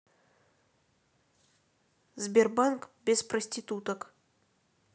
сбербанк без проституток